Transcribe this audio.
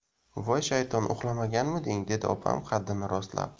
voy shayton uxlamaganmiding dedi opam qaddini rostlab